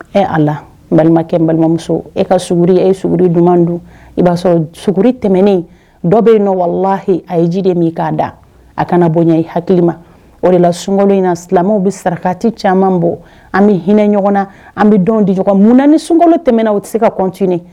Ee a la balimakɛ balimamuso e ka suguri euguri jumɛn don i b'a sɔrɔ suuguri tɛmɛnen dɔ bɛ nɔwalahi a ye ji de min k'a da a kana bonya i hakili ma o de la sunkolon in na silamɛw bɛ sarakati caman bɔ an bɛ hinɛ ɲɔgɔn na an bɛ dɔn dija munna ni sunkolon tɛmɛnɛna u tɛ se ka kɔntiinin